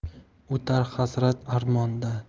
o'tar hasrat armonda